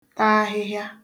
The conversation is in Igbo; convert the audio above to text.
ta ahịhịa